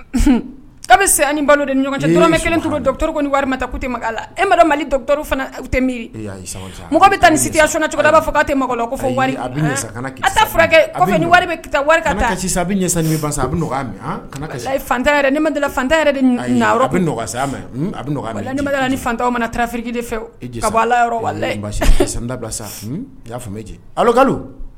A bɛ se balo ni ɲɔgɔn cɛ kelento ni wari te e mali tɛ miri mɔgɔ bɛ taa ni si so cogoya' fɔ mako furakɛ a bɛ ɲɛtan nitanfiri de fɛda sa yka